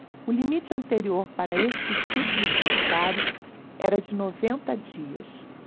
o limite anterior para estes títulos bancários era de noventa dias